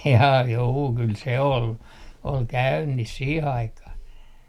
jaa juu kyllä se oli oli käynnissä siihen aikaan